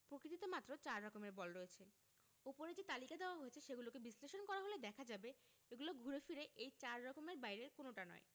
প্রকৃতিতে মাত্র চার রকমের বল রয়েছে ওপরে যে তালিকা দেওয়া হয়েছে সেগুলোকে বিশ্লেষণ করা হলে দেখা যাবে এগুলো ঘুরে ফিরে এই চার রকমের বাইরে কোনোটা নয়